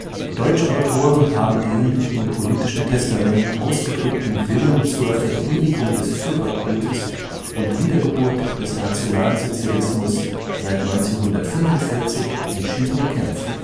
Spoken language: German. Deutsche Autoren haben den im politischen Testament ausgedrückten Willen zur Verewigung des Führerkultes und Wiedergeburt des Nationalsozialismus seit 1945 entschieden bekämpft